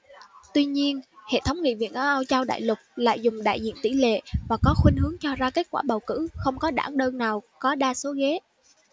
tuy nhiên hệ thống nghị viện ở âu châu đại lục lại dùng đại diện tỷ lệ và có khuynh hướng cho ra kết quả bầu cử không có đảng đơn nào có đa số ghế